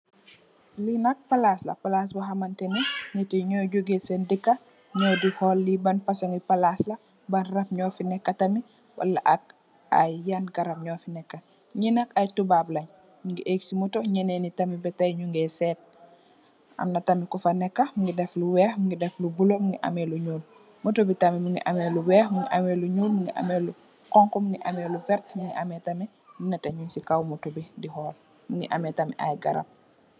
li nak palas la palas Bo hamanteh ni niti nyoy joheh Sen deka nyow di hol li ban fosomi palas la ban rab nyofi neka tamit wala ak ay Yan garap nyofi neka nyi nak ay tubab len nyungi ekk ci moto nyeneni nak betey nyu ngeh set amna tam kufa neka mungi def lu weex mungi def lu nyool mungi ameh lu bulo moto bi tamit mungi ameh lu weex mungi ameh lu nyool mungi ameh lu xonxu mungi ameh lu veert mungi ameh tamit nete mung ci kaw moto bi di hol mungi ameh tamit ay garap